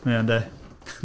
Ia, ynde.